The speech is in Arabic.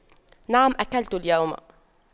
نعم أكلت اليوم